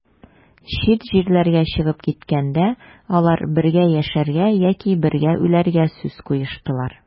Чит җирләргә чыгып киткәндә, алар бергә яшәргә яки бергә үләргә сүз куештылар.